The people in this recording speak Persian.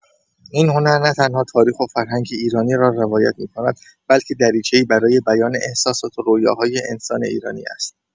این هنر نه‌تنها تاریخ و فرهنگ ایرانی را روایت می‌کند، بلکه دریچه‌ای برای بیان احساسات و رؤیاهای انسان ایرانی است.